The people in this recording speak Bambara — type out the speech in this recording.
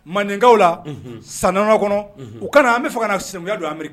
Mandenkaw la san kɔnɔ u kana an bɛ fɛ ka na sinankuya donri